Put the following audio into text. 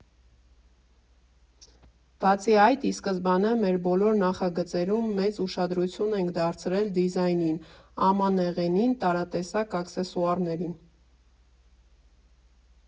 Բացի այդ, ի սկզբանե մեր բոլոր նախագծերում մեծ ուշադրություն ենք դարձրել դիզայնին, ամանեղենին, տարատեսակ աքսեսուարներին։